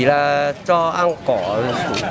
là cho ăn cỏ